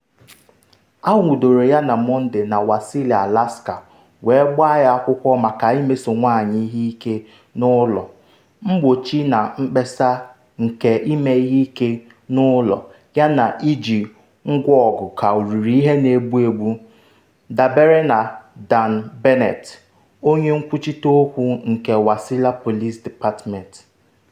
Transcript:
Anwudoro ya na Mọnde na Wasilla, Alaska, wee gbaa ya akwụkwọ maka imeso nwanyị ihe ike n’ụlọ, mgbochi na mkpesa nke ime ihe ike n’ụlọ yana iji ngwa ọgụ ka oriri ihe na-egbu egbu, dabere na Dan Bennett, onye nkwuchite okwu ndị Wasilla Police Department.